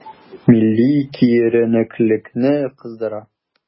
Милли киеренкелекне кыздыра.